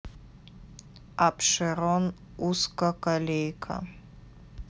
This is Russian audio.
апшерон узкоколейка